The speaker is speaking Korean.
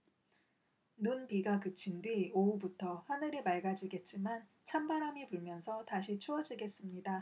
눈비가 그친 뒤 오후부터 하늘이 맑아지겠지만 찬바람이 불면서 다시 추워지겠습니다